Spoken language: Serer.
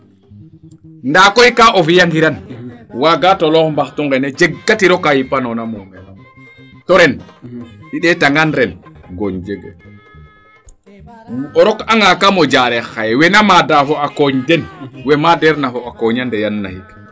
ndaa koy kaa o fiya ngiran waaga toloox mbaxtu nene jeg ka tiro kaa yipa noona mumeen of to ren i ndeeta ngaan ren gooñ jegee o rok anga kamo Diarekh xaye weena maada fa a kooñ den we madeer na fo a kooy a ndeyaan naxik